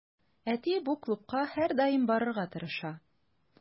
Әти бу клубка һәрдаим барырга тырыша.